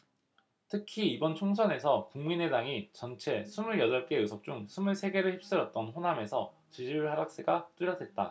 특히 이번 총선에서 국민의당이 전체 스물 여덟 개 의석 중 스물 세 개를 휩쓸었던 호남에서 지지율 하락세가 뚜렷했다